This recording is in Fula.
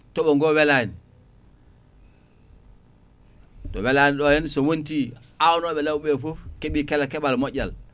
tooɓo ngo welani ɗo welani ɗo henna so wonti awnoɓe laaw ɓe foof keeɓi kala keeɓal moƴƴal